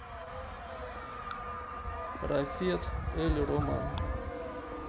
рафет эль роман